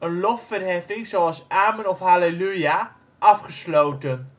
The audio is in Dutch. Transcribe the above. lofverheffing, zoals amen of halleluja) afgesloten